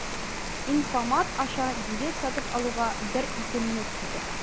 Инфомат аша билет сатып алуга 1-2 минут китә.